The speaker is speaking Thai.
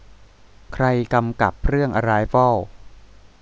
ใครกำกับเรื่องอะไรวอล